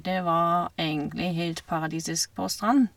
Det var egentlig helt paradisisk på strand.